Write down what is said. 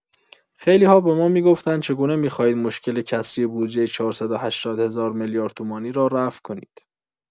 خیلی‌ها به ما می‌گفتند چگونه می‌خواهید مشکل کسری بودجه ۴۸۰ هزار میلیارد تومانی را رفع کنید.